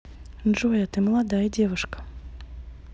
джой а ты молодая девушка